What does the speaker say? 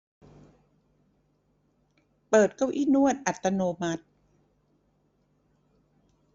เปิดเก้าอี้นวดอัตโนมัติ